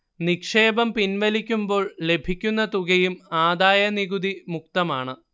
നിക്ഷേപം പിൻവലിക്കുമ്പോൾ ലഭിക്കുന്ന തുകയും ആദായനികുതി മുക്തമാണ്